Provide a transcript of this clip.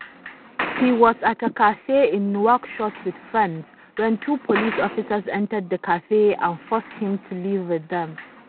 He was at a cafe in Nouakchott with friends, when two police officers entered the cafe and forced him to leave with them.